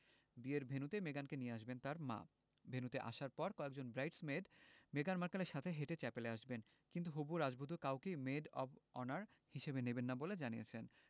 বিয়ের ভেন্যুতে মেগানকে নিয়ে আসবেন তাঁর মা ভেন্যুতে আসার পর কয়েকজন ব্রাইডস মেড মেগান মার্কেলের সাথে হেঁটে চ্যাপেলে আসবেন কিন্তু হবু রাজবধূ কাউকেই মেড অব অনার হিসেবে নেবেন না বলে জানিয়েছেন